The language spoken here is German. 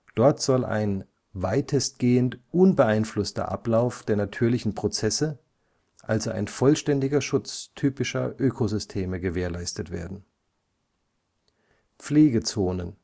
Dort soll ein „ weitestgehend unbeeinflusster Ablauf der natürlichen Prozesse “, also ein vollständiger Schutz typischer Ökosysteme gewährleistet werden. Pflegezonen